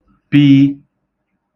p